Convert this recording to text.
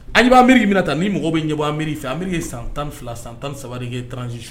Aw ɲɛ bɛ Ameriki min na tan ni mɔgɔw bɛ ɲɛbɔ Ameriki fɛ ameriki ye san 12 san 13 de kɛ transition na.